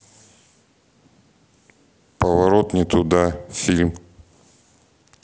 поворот не туда фильм